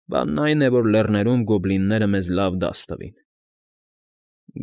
Բանն այն է, որ լեռներում գոբլինները մեզ լավ դաս տվին։ ֊